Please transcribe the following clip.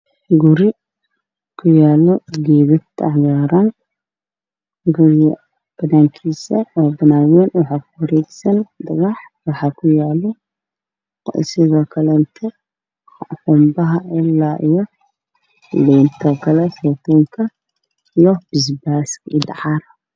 Meeshaan waa guri waxaa ii muuqda geedo ka dhacay guriga darbiga waa jaalo